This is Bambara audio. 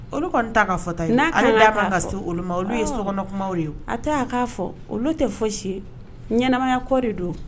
Olu kɔni ta ka fata n'a ka se olu ma olu ye sokɔnɔ kuma ye a taa kaa fɔ olu tɛ foyisi ɲɛnɛya kɔ de don